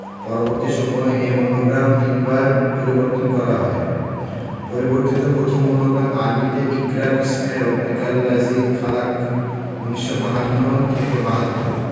পরবর্তী সময়ে এ মনোগ্রাম তিনবার পরিবর্তন করা হয় পরিবর্তিত প্রথম মনোগ্রামে আরবিতে ইকরা বিস্মে রাবিবকাল লাজি খালাক্ক ১৯৫২থেকে ৭২